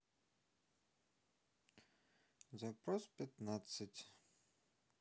запрос пятнадцать